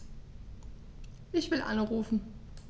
Ich will anrufen.